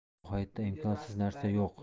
bu hayotda imkonsiz narsa yo'q